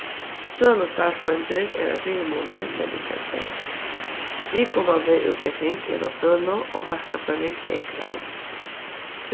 sølustarvsroyndir er ein fyrimunur men ikki ein treyt viðkomandi útbúgving innan sølu og marknaðarføring er kravd